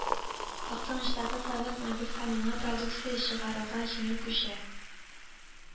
Актаныштагы завод мобиль һәм яңа продукция чыгаруга җиңел күчә